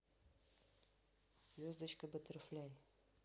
звездочка баттерфляй